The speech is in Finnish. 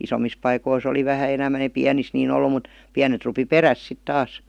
isommissa paikoissa oli vähän enemmän ei pienissä niin ollut mutta pienet rupesi perässä sitten taas